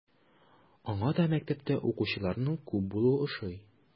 Аңа да мәктәптә укучыларның күп булуы ошый.